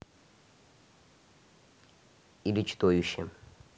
или чудовище